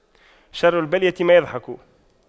شر البلية ما يضحك